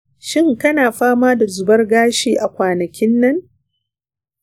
shin kana fama da zubar gashi a kwanakin nan?